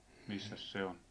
missäs se on